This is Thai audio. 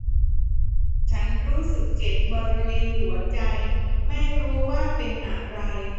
ฉันรู้สึกเจ็บบริเวณหัวใจไม่รู้ว่าเป็นอะไร